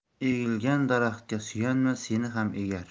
egilgan daraxtga suyanma seni ham egar